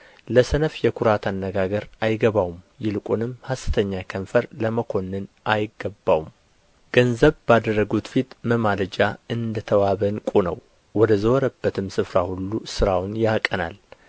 ለሰነፍ የኵራት አነጋገር አይገባውም ይልቁንም ሐሰተኛ ከንፈር ለመኰንን አይገባውም ገንዘብ ባደረገው ፊት መማለጃ እንደ ተዋበ ዕንቍ ነው ወደ ዞረበትም ስፍራ ሁሉ ሥራውን ያቀናል